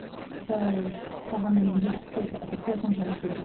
så Så har man en heks på s altså på sankthansbålet.